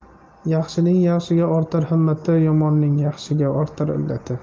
yaxshining yaxshiga ortar himmati yomonning yaxshiga ortar illati